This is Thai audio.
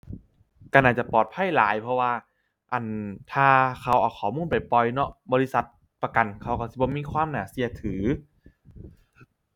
ก็น่าจะปลอดภัยหลาย เพราะว่า อั่น ถ้าเขาเอาข้อมูลไปปล่อยเนาะ บริษัทประกันเขาก็สิบ่มีความน่าก็ถือ